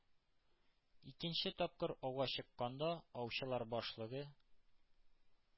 Икенче тапкыр ауга чыкканда, аучылар башлыгы,